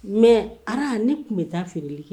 Mais Ara ne tun be taa feereli kɛ